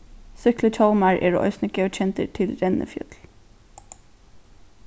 súkkluhjálmar eru eisini góðkendir til rennifjøl